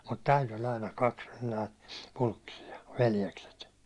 mutta tältä oli aina kaksi näitä Pulkkisia veljekset